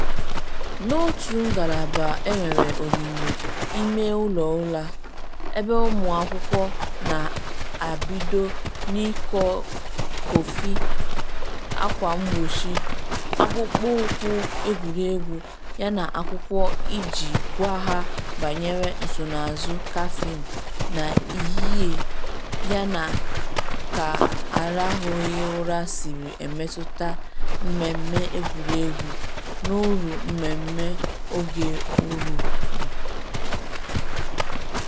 N’otu ngalaba enwere onyonyo ime ụlọ ụra, ebe ụmụ akwụkwọ na-apịdo n’iko kọfị, akwa mgbochi, akpụkpụ ụkwụ egwuregwu yana akwụkwọ iji gwa ha banyere nsonazụ kafin na ihie yana ka arahụghị ụra siri emetụta mmemme egwuregwu, n’uru mmemme oge ụra dị.